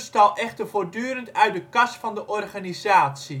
echter voortdurend uit de kas van de organisatie